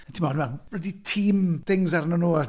Timod, ma' blydi team things arnyn nhw a…